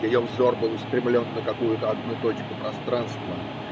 Ее взор был устремлен на какую-то одну точку пространства.